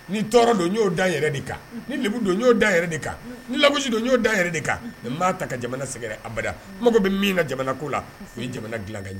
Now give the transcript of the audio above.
Ni tɔɔrɔ don n y'o da n yɛrɛ de kan, ni lebu don n y'o da yɛrɛ de kan, ni lagosi don n y'o da n yɛrɛ de kan, n m'a ta ka jamana sɛgɛrɛ abada, n mago bɛ min na jamanako la o ye jamana dilan ka